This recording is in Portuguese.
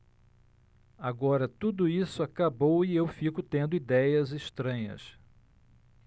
agora tudo isso acabou e eu fico tendo idéias estranhas